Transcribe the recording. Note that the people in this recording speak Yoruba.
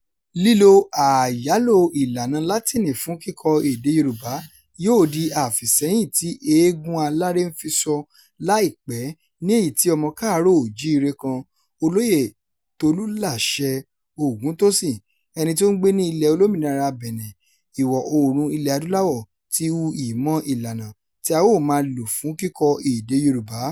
Lílo àyálò ìlànà Látíìnì fún kíkọ èdè Yorùbá yóò di àfìsẹ́yìn tí eégún aláré ń fiṣọ láì pẹ́ ní èyí tí ọmọ Káàárọ̀-o-ò-jí-ire kan, Olóyè Tolúlàṣẹ Ògúntósìn, ẹni tí ó ń gbé ní Ilẹ̀ Olómìnira Bẹ̀nẹ̀, Ìwọ̀-oòrùn Ilẹ̀-Adúláwọ̀, ti hu ìmọ̀ ìlànà tí a ó máa lò fún kíkọ èdè Yorùbá.